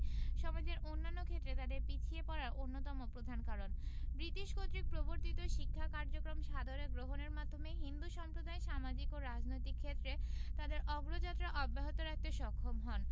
সমাজের অন্যান্য ক্ষেত্রে তাদের পিছিয়ে পড়ার অন্যতম প্রধান কারণ ব্রিটিশ কর্তৃক প্রবর্তিত শিক্ষা কার্যক্রম সাদরে গ্রহণের মাধ্যমে হিন্দু সম্প্রদায় সামাজিক ও রাজনৈতিক ক্ষেত্রে তাদের অগ্রযাত্রা অব্যাহত রাখতে সক্ষম হন